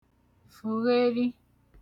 fugheri